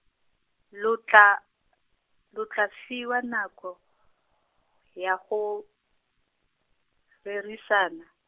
lo tla, lo tla fiwa nako, ya go, rerisana.